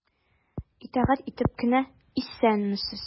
Итагать итеп кенә:— Исәнмесез!